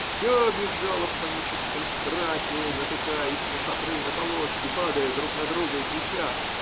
все бежало в паническом страхе, натыкаясь на шатры, на повозки, падая друг на друга и крича.